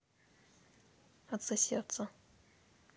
отсоси хуец блять овца